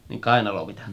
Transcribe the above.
niin kainalovitsat